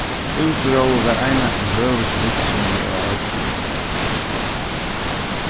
útróður var einaferð høvuðsvirksemið á oynni